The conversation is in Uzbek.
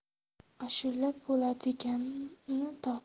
ashula bo'ladiganini top